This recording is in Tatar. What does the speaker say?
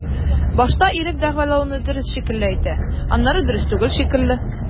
Башта ирек дәгъвалауны дөрес шикелле әйтә, аннары дөрес түгел шикелле.